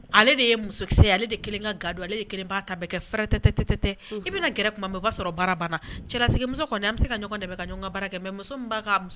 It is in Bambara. Kɛ bɛna'a sɔrɔ cɛla bɛ se ka